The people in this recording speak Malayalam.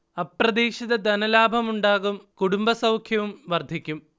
അപ്രതീക്ഷിത ധനലാഭം ഉണ്ടാകും കുടുംബസൗഖ്യവും വർധിക്കും